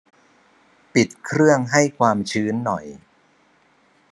ปิดเครื่องให้ความชื้นหน่อย